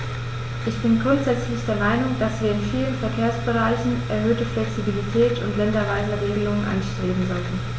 Ich bin grundsätzlich der Meinung, dass wir in vielen Verkehrsbereichen erhöhte Flexibilität und länderweise Regelungen anstreben sollten.